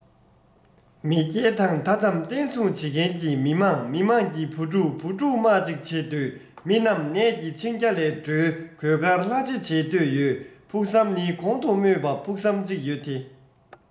མེས རྒྱལ དང མཐའ མཚམས བརྟན སྲུང བྱེད མཁན གྱི མི དམངས མི དམངས ཀྱི བུ ཕྲུག བུ ཕྲུག དམག ཅིག བྱེད འདོད མི རྣམས ནད ཀྱི འཆིང རྒྱ ལས འགྲོལ གོས དཀར ལྷ ཆེ བྱེད འདོད ཡོད ཕུགས བསམ ནི གོང དུ སྨོས པ ཕུགས བསམ གཅིག ཡོད དེ